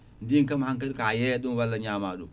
ndin kam hankkadi ka yeeyat ɗum walla ñama ɗum